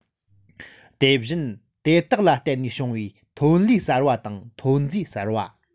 དེ བཞིན དེ དག ལ བརྟེན ནས བྱུང བའི ཐོན ལས གསར པ དང ཐོན རྫས གསར པ